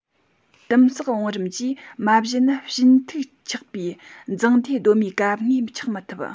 དིམ བསགས བང རིམ གྱིས མ གཞི ནི ཞུན ཐིགས ཆགས པའི འཛེང རྡོས གདོད མའི བཀབ དངོས ཆགས མི ཐུབ